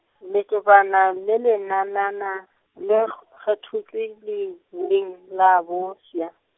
letšobana le lenana na, le kg- kgothotše leubeng la bofsa.